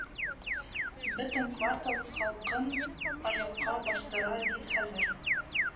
Бөтен квартал халкын аякка бастыра бит хәзер